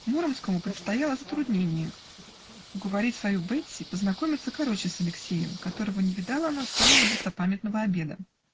Муромскому предстояло затруднение: уговорить свою Бетси познакомиться короче с Алексеем, которого не видала она с самого достопамятного обеда.